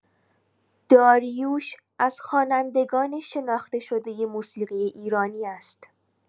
داریوش از خوانندگان شناخته‌شده موسیقی ایرانی است.